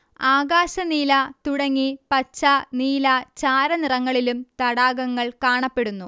ആകാശനീല തുടങ്ങി പച്ച നീല ചാരനിറങ്ങളിലും തടാകങ്ങൾ കാണപ്പെടുന്നു